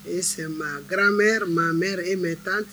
E sɛ garanmeme e mɛ tan